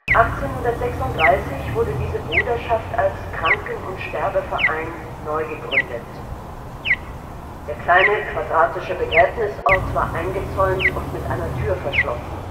1836 wurde diese Bruderschaft als „ Kranken - und Sterbeverein “neu gegründet. Der kleine quadratische Begräbnisort war eingezäunt und mit einer Tür verschlossen